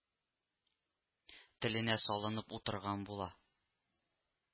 — теленә салынып утырган була